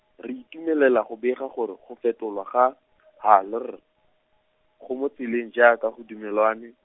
re itumelela go bega gore, go fetolwa ga, H R, go mo tseleng jaaka go dumalanwe.